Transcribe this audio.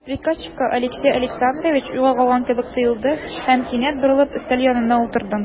Приказчикка Алексей Александрович уйга калган кебек тоелды һәм, кинәт борылып, өстәл янына утырды.